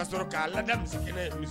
O y'a sɔrɔ k'a la sigilen